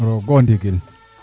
roog o ndigil